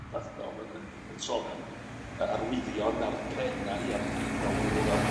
fatha o' 'na yn yn sôn am arwyddion ar drenau ar dir mawr Ewrop,